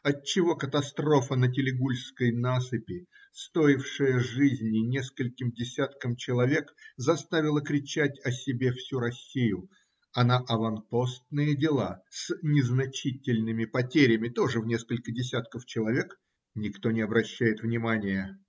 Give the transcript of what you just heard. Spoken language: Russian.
Отчего катастрофа на тилигульской насыпи, стоившая жизни нескольким десяткам человек, заставила кричать о себе всю Россию, а на аванпостные дела с "незначительными" потерями тоже в несколько десятков человек никто не обращает внимания?